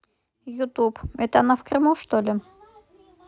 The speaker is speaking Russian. youtube это она в крыму что ли